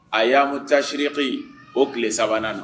Ayamutasiriki o tile sabanan na